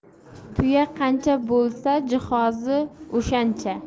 tuya qancha bo'lsa jihozi o'shancha